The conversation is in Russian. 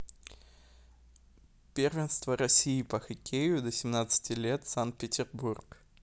первенство россии по хоккею до семнадцати лет санкт петербург